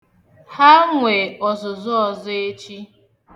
Ha nwe ọzụzụ ọzọ echi.